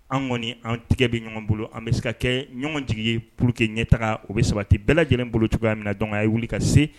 Anw kɔni an tɛgɛ bɛ ɲɔgɔn bolo an bɛ se ka kɛ ɲɔgɔn jigi ye pour que ɲɛtaga o bɛ sabati bɛɛ lajɛlen bolo cogoya min na donc a' ye wuli ka se